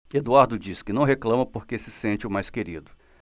eduardo diz que não reclama porque se sente o mais querido